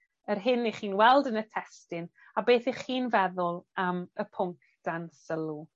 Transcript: yr hyn 'ych chi'n weld yn y testun, a beth 'ych chi'n feddwl am y pwnc dan sylw